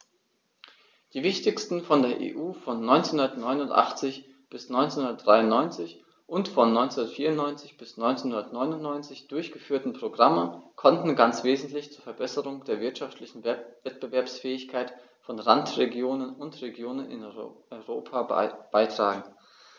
Die wichtigsten von der EU von 1989 bis 1993 und von 1994 bis 1999 durchgeführten Programme konnten ganz wesentlich zur Verbesserung der wirtschaftlichen Wettbewerbsfähigkeit von Randregionen und Regionen in Europa beitragen.